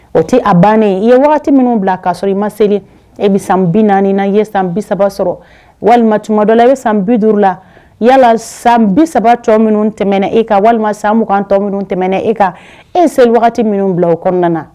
O tɛ a bannen i ye minnu bila a k kaa sɔrɔ i ma se e bɛ san bi naani na i ye san bi saba sɔrɔ walima dɔ la e bɛ san bi duuru la yala san bi saba tɔ minnu tɛmɛn e ka walima san mugan tɔ minnu tɛm e ka ese wagati minnu bila o kɔnɔna na